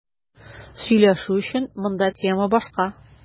Сөйләшү өчен монда тема башка.